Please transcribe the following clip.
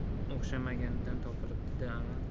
o'xshamaganidan topilibdi da